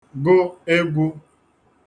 gụ egwū